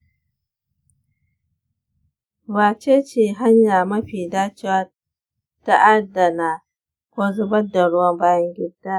wace ce hanya mafi dacewa ta adana ko zubar da ruwan bayan gida?